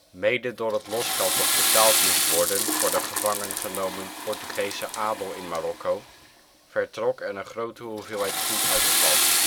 Mede door het losgeld dat betaald moest worden voor de gevangengenomen Portugese adel in Marokko vertrok er een grote hoeveelheid goed uit het land